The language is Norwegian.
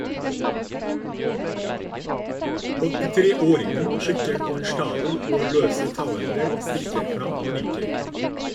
83-åringen kikker på en stabel hvor løse tauender stikker fram, og nikker.